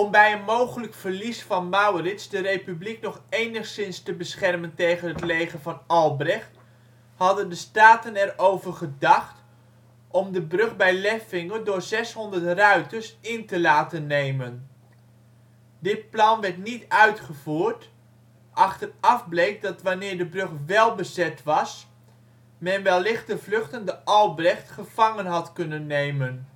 bij een mogelijk verlies van Maurits de Republiek nog enigszins te beschermen tegen het leger van Albrecht, hadden de Staten er over gedacht om de brug bij Leffinge door 600 ruiters in te laten nemen. Dit plan werd niet uitgevoerd - achteraf bleek dat wanneer de brug wél bezet was, men wellicht de vluchtende Albrecht gevangen had kunnen nemen